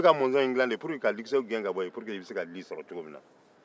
i bɛ mɔzɔn in dila walasa ka dikisɛw gɛn ka bɔ yen walasa i ka di sɔrɔ